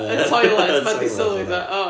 yn y toilet ma' di sylwi fatha "o"